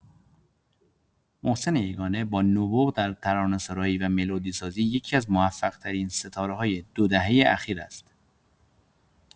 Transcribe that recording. محسن یگانه با نبوغ در ترانه‌سرایی و ملودی‌سازی، یکی‌از موفق‌ترین ستاره‌های دو دهه اخیر است.